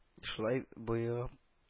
Шулай боегып